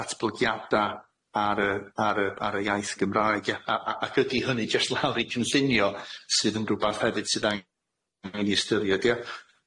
datblygiada ar yy ar y ar y iaith Gymraeg ia a- a- ac ydi hynny jyst lawr i dwi'n llunio sydd yn rwbath hefyd sydd angen i ni ystyried ie,